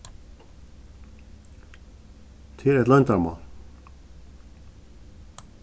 tað er eitt loyndarmál